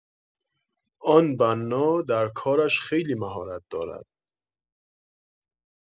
آن بنا در کارش خیلی مهارت دارد